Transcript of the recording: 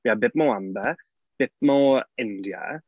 We had a bit more Amber, a bit more India.